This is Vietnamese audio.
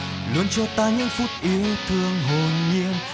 luôn cho ta những phút yêu thương hồn nhiên